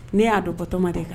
Ne y'a dɔn Batɔɔma de ka